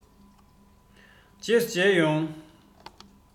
རྗེས སུ མཇལ ཡོང